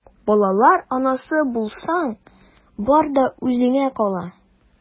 Балалар анасы булсаң, бар да үзеңә кала...